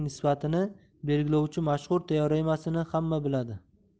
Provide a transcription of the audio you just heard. nisbatini belgilovchi mashhur teoremasini hamma biladi